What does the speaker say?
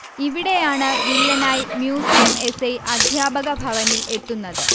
ഇവിടെയാണ് വില്ലനായി museum S. I അദ്ധ്യാപകഭവനിൽ എത്തുന്നത്